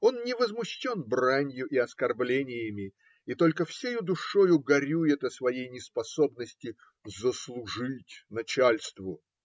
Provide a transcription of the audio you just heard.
Он не возмущен бранью и оскорблениями и только всею душою горюет о своей неспособности "заслужить" начальству.